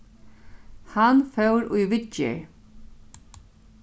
hann fór í viðgerð